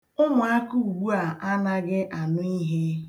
Ụmụaka ugbu a anaghị anụ ihe.